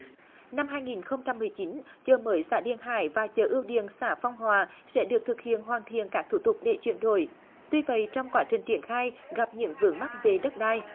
năm hai nghìn không trăm mười chín chợ mới xã điền hải và chợ ưu điềm xã phong hòa sẽ được thực hiện hoàn thiện các thủ tục để chuyển đổi tuy vậy trong quá trình triển khai gặp nhiều vướng mắc về đất đai